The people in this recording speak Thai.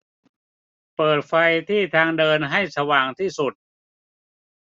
เปิดไฟที่ทางเดินให้สว่างที่สุด